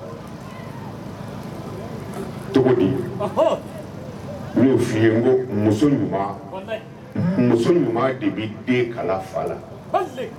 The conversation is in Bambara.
Todi no fɔ ko muso ɲuman de bɛ den kala fa